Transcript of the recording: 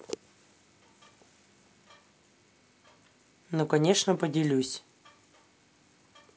ну конечно поделюсь